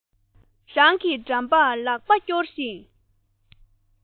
རང གི འགྲམ པ ལག པས སྐྱོར བཞིན